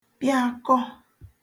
pịako